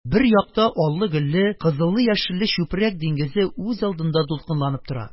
Бер якта аллы-гөлле, кызыллы-яшелле чүпрәк диңгезе үз алдына дулкынланып тора,